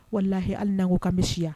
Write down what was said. Walahi hali n ko ka misiya